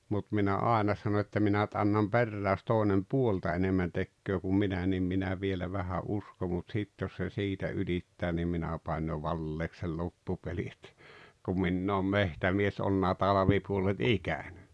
mutta minä aina sanoin että minä nyt annan perään jos toinen puolta enemmän tekee kuin minä niin minä vielä vähän uskon mutta sitten jos se siitä ylittää niin minä panen jo valeeksi sen loppupelin että kun minä olen metsämies ollut talvipuolet ikäni